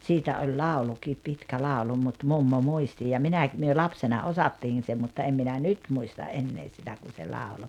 siitä on laulukin pitkä laulu mutta mummo muisti ja - me lapsena osattiin se mutta en minä nyt muista enää sitä kun se lauloi